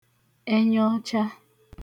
ẹnyọọcha